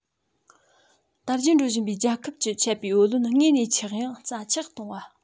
དར རྒྱས འགྲོ བཞིན པའི རྒྱལ ཁབ ཀྱི ཆད པའི བུ ལོན དངོས གནས ཆག ཡང རྩ ཆག གཏོང བ